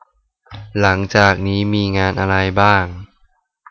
หลังจากนี้มีงานอะไรบ้าง